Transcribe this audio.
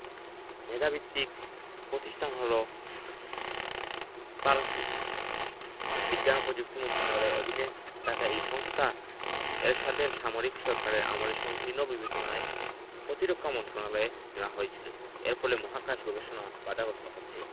মেধাভিত্তিক পতিষ্ঠান হলো স্পারসু বিজ্ঞান ও পযুক্তি মন্ত্রণালয়ের অধীনে থাকা এই সংস্থা এরশাদের সামরিক সরকারের আমলে সংকীর্ণ বিবেচনায় পতিরক্ষা মন্ত্রণালয়ে নেওয়া হয়েছিল এর ফলে মহাকাশ গবেষণা বাধাগস্ত হচ্ছে